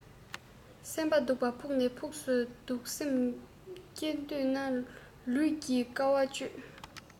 སེམས པ སྡུག པ ཕུགས ནས ཕུགས སུ སྡུག སེམས སྐྱིད འདོད ན ལུས ཀྱིས དཀའ བ སྤྱོད